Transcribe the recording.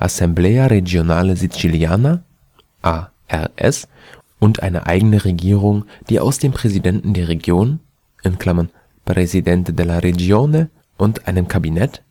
Assemblea Regionale Siciliana, A.R.S.), und eine eigene Regierung, die aus dem Präsidenten der Region (Presidente della Regione) und einem Kabinett